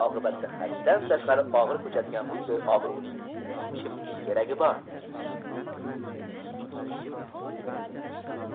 oqibati haddan tashqari og'ir ko'chadigan bunday obro'ning kimga keragi bor